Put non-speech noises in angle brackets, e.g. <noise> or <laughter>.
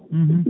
<hesitation> <hesitation>